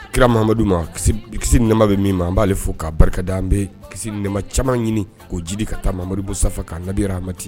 Kira Mahamadu ma kisi b kisi ni nɛma bɛ min ma an b'ale fo k'a barikada an be kisi ni nɛma caman ɲini k'o jidi ka taa Mamadu Mustafa kan nabirahamati